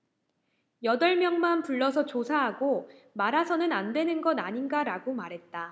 여덟 명만 불러서 조사하고 말아서는 안되는 것 아닌가라고 말했다